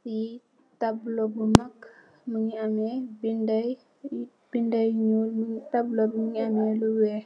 Fii tablo bu mak, mungi ameh binda yu ñuul, tablo bi mungi ameh lu weeh,